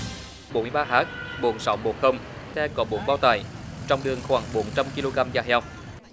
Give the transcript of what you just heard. bốn mươi ba hát bốn sáu bốn không xe có bốn bao tải trọng lượng khoảng bốn trăm ki lô gam da heo